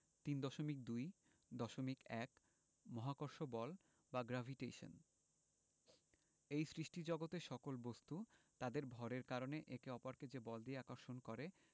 ৩.২.১ মহাকর্ষ বল বা গ্রেভিটেশন এই সৃষ্টিজগতের সকল বস্তু তাদের ভরের কারণে একে অপরকে যে বল দিয়ে আকর্ষণ করে